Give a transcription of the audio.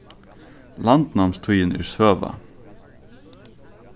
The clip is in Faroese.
landnámstíðin er søga